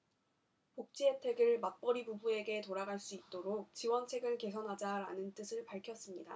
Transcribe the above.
복지혜택을 맞벌이 부부에게 돌아갈 수 있도록 지원책을 개선하자 라는 뜻을 밝혔습니다